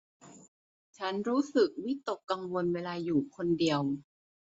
ฉันรู้สึกวิตกกังวลเวลาอยู่คนเดียว